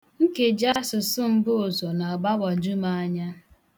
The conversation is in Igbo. Nkejiasụsụ nke mbụụzọ na-agbawọjụ m anya.